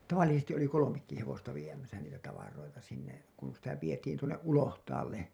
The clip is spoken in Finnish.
- tavallisesti oli kolmekin hevosta viemässä niitä tavaroita sinne kun sitä vietiin tuonne ulohtaalle